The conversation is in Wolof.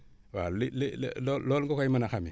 waa li li li loo loolu nga koy mën a xamee